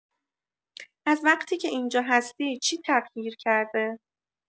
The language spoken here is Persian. از وقتی که اینجا هستی چی تغییر کرده؟